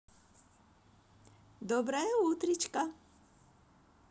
добрая утречка